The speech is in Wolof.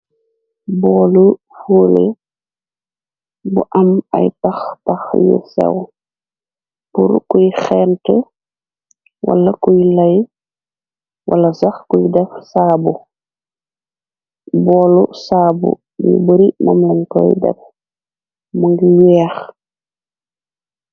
boolu fuule bu am ay pax pax yu sew pur kuy xente wala kuy lay wala sex kuy def saabu boolu saabu yu bari mamlan koy def mu ngi weex